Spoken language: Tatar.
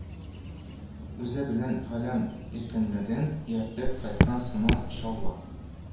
Үзе белән галәм иркенлеген ияртеп кайткан сыман, шаулап